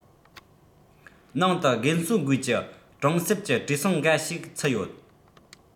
ནང དུ རྒན གསོ དགོས ཀྱི གྲོང གསེབ ཀྱི བགྲེས སོང འགའ ཞིག ཚུད ཡོད